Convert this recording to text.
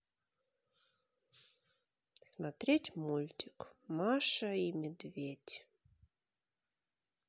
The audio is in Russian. смотреть мультик маша и медведь